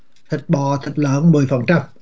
thịt bò thịt lợn mười phần trăm